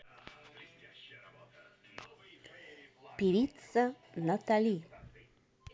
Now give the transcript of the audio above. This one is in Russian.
певица натали